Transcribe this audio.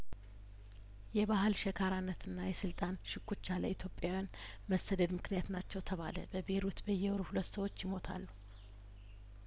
የባህል ሸካራ ነትና የስልጣን ሽኩቻ ለኢትዮጵያውን መሰደድ ምክንያት ናቸው ተባለ በቤይሩት በየወሩ ሁለት ሰዎች ይሞታሉ